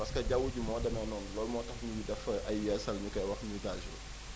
parce que jawwu ji moo demee noonu loolu moo tax ñun ñu def ay yeesaal ñu koy wax mutation